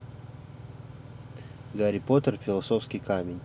гарри поттер философский камень